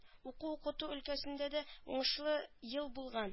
Уку-укыту өлкәсендә дә уңышлы ел булган